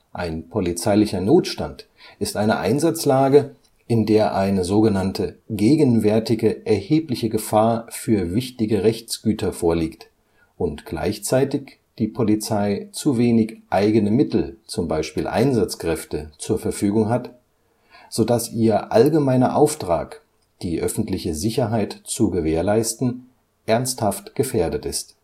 Ein Polizeilicher Notstand ist eine Einsatzlage, in der eine „ gegenwärtige erhebliche Gefahr für wichtige Rechtsgüter “vorliegt und gleichzeitig die Polizei zu wenig eigene Mittel (Einsatzkräfte) zur Verfügung hat, so dass ihr „ allgemeiner Auftrag “, die öffentliche Sicherheit zu gewährleisten, „ ernsthaft gefährdet “ist